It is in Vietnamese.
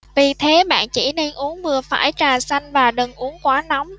vì thế bạn chỉ nên uống vừa phải trà xanh và đừng uống quá nóng